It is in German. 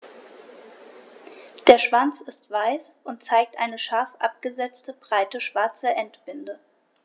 Der Schwanz ist weiß und zeigt eine scharf abgesetzte, breite schwarze Endbinde.